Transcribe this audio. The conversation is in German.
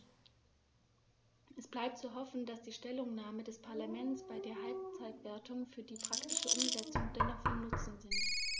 Es bleibt zu hoffen, dass die Stellungnahmen des Parlaments bei der Halbzeitbewertung und für die praktische Umsetzung dennoch von Nutzen sind.